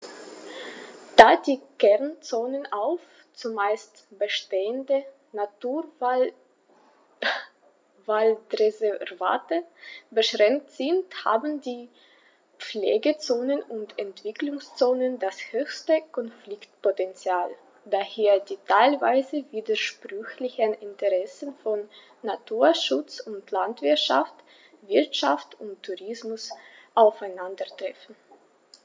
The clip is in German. Da die Kernzonen auf – zumeist bestehende – Naturwaldreservate beschränkt sind, haben die Pflegezonen und Entwicklungszonen das höchste Konfliktpotential, da hier die teilweise widersprüchlichen Interessen von Naturschutz und Landwirtschaft, Wirtschaft und Tourismus aufeinandertreffen.